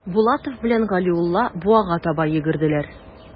Булатов белән Галиулла буага таба йөгерделәр.